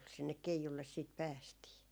sinne keijulle sitten päästiin